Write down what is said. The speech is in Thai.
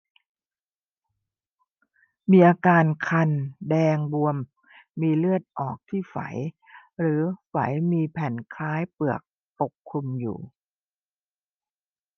มีอาการคันแดงบวมมีเลือดออกที่ไฝหรือไฝมีแผ่นคล้ายเปลือกปกคลุมอยู่